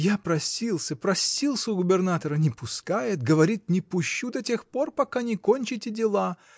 Я просился, просился у губернатора — не пускает: говорит, не пущу до тех пор, пока не кончите дела!